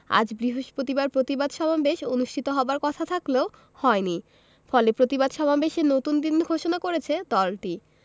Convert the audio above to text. আজ বৃহস্পতিবার প্রতিবাদ সমাবেশ অনুষ্ঠিত হবার কথা থাকলেও হয়নি ফলে প্রতিবাদ সমাবেশের নতুন দিন ঘোষণা করেছে দলটি